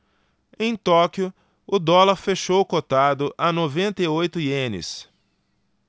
em tóquio o dólar fechou cotado a noventa e oito ienes